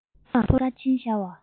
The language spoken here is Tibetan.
ཐོ རངས སྐར ཆེན ཤར བ